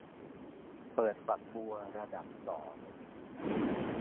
เปิดฝักบัวระดับสอง